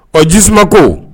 O jisumako